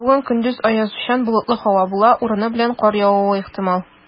Бүген көндез аязучан болытлы һава була, урыны белән кар явуы ихтимал.